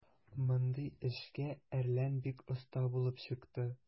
Мондый эшкә "Әрлән" бик оста булып чыкты.